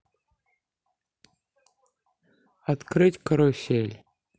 открыть карусель